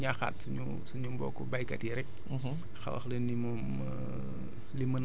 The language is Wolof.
wax nañ ko xanaa di gën a ñaaxaat suñu suñu mbokku béykat yi rek